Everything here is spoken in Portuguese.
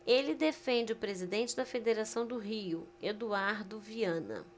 ele defende o presidente da federação do rio eduardo viana